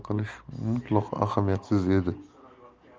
qilish mutlaqo ahamiyatsiz edi